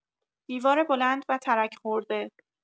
دیوار بلند و ترک‌خورده